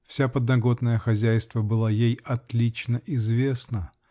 Вся подноготная хозяйства была ей отлично известна